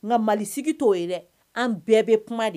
Nka malisigi t' ye dɛ an bɛɛ bɛ kuma de ye